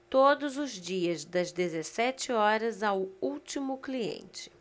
todos os dias das dezessete horas ao último cliente